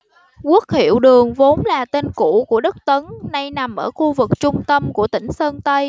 quốc hiệu đường vốn là tên cũ của đất tấn nay nằm ở khu vực trung tâm của tỉnh sơn tây